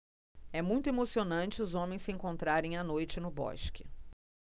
é muito emocionante os homens se encontrarem à noite no bosque